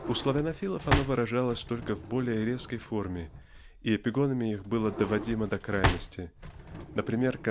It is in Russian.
У славянофилов оно выражалось только в более резкой форме и эпигонами их было доводимо до крайности например